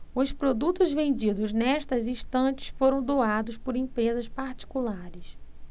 os produtos vendidos nestas estantes foram doados por empresas particulares